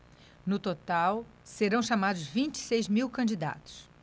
no total serão chamados vinte e seis mil candidatos